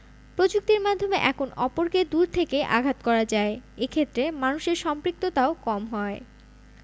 প্রযুক্তির মাধ্যমে এখন অপরকে দূর থেকেই আঘাত করা যায় এ ক্ষেত্রে মানুষের সম্পৃক্ততাও কম হয়